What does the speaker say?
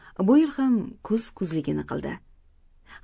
bu yil ham kuz kuzligini qildi